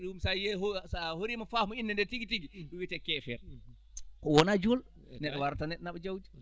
ɗum so a yiyii so a horiima faam innde ndee tigi tigi ɗum wiyetee keefeero oo wonaa juulɗo neɗɗo warataa neɗɗo naɓa jawdi